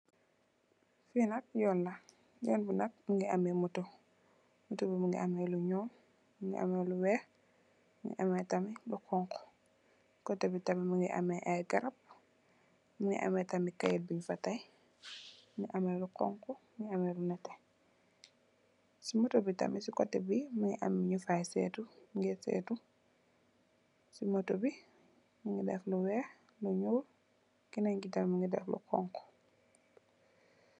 Fee nak yoon la yonn be nak muge ameh motou motou be muge ameh lu nuul muge ameh lu weex muge ameh tamin lu xonxo koteh be tamin muge ameh aye garab muge ameh tamin keyete bufa taye muge ameh lu xonxo muge ameh lu neteh se motou be tamin se koteh be muge am nufay setu nuge setu se motou be muge def lu weex lu nuul kenen ke tamin muge def lu xonxo.